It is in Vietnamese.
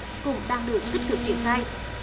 cũng đang được tích cực triển khai